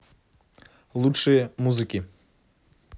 лучшие музыки